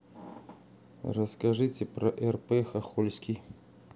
расскажите про рп хохольский